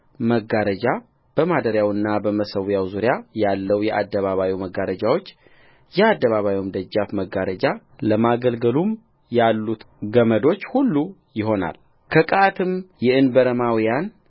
መጋረጃበማደሪያውና በመሠዊያው ዙሪያ ያለው የአደባባዩ መጋረጆች የአደባባዩም ደጃፍ መጋረጃ ለማገልገሉም ያሉት ገመዶች ሁሉ ይሆናልከቀዓትም የእንበረማውያን